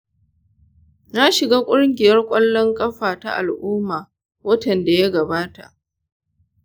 na shiga ƙungiyar ƙwallon ƙafa ta al'umma watan da ya gabata.